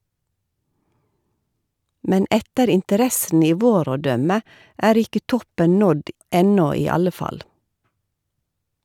Men etter interessen i vår å dømme er ikke toppen nådd ennå i alle fall.